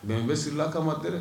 Mais bɛsirila kamama dɛ